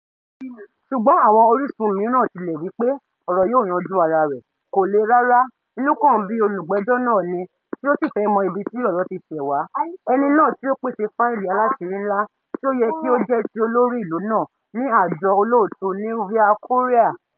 Ṣùgbọ́n àwọn orísun mìíràn tilẹ̀ wí pé ọ̀rọ̀ yóò yanjú ara rẹ̀, "kò le rárá, inú kàn ń bí Olùgbẹ́jọ́ náà ni tí ó sì fẹ́ mọ ibi tí ọ̀rọ̀ ti ṣẹ̀ wá, ẹni náà tí ó pèsè fáìlì aláṣìírí-ńlá tí ó yẹ kí ó jẹ́ ti olórí ìlú náà, ní àjọ olóòtú Nouveau Courrier.